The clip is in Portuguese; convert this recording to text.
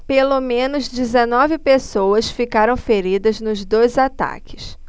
pelo menos dezenove pessoas ficaram feridas nos dois ataques